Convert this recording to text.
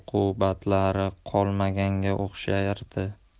uqubatlari qolmaganga o'xshardi